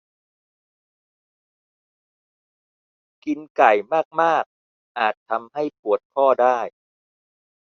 กินไก่มากมากอาจทำให้ปวดข้อได้